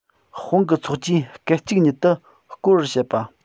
དཔུང གི ཚོགས ཀྱིས སྐད ཅིག ཉིད དུ སྐོར བར བྱེད པ